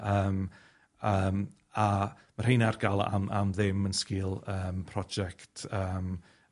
Yym yym a ma' rheina ar gael am am ddim yn sgil yym project yym